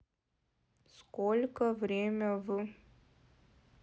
сколько время в